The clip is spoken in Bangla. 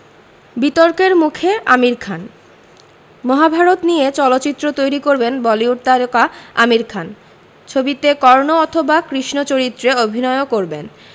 বিতর্কের মুখে আমির খান মহাভারত নিয়ে চলচ্চিত্র তৈরি করবেন বলিউড তারকা আমির খান ছবিতে কর্ণ অথবা কৃষ্ণ চরিত্রে অভিনয়ও করবেন